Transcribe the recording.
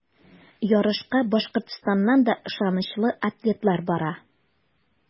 Ярышка Башкортстаннан да ышанычлы атлетлар бара.